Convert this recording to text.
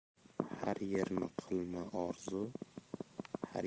har yerni qilma orzu har